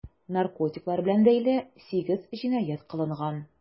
Наркотиклар белән бәйле 8 җинаять кылынган.